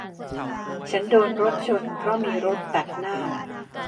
ฉันโดนรถชนเพราะมีรถตัดหน้า